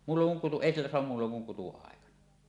muulloin kun kutu ei sillä saa muulloin kun kutuaikana